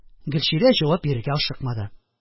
Гөлчирә җавап бирергә ашыкмады